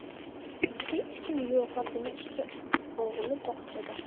uyda hech kim yo'q xotini ishda o'g'li boqchada